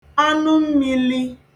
ọnụ mmīli